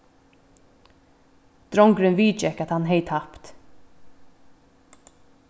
drongurin viðgekk at hann hevði tapt